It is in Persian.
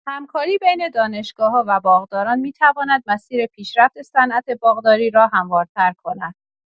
همکاری بین دانشگاه‌‌ها و باغداران می‌تواند مسیر پیشرفت صنعت باغداری را هموارتر کند.